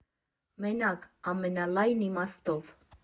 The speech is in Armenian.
Մենակ՝ ամենալայն իմաստով։